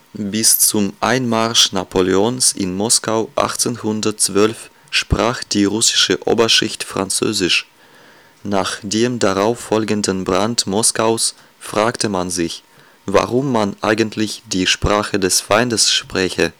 Bis zum Einmarsch Napoleons in Moskau 1812 sprach die russische Oberschicht Französisch. Nach dem darauf folgenden Brand Moskaus fragte man sich, warum man eigentlich die Sprache des Feindes spräche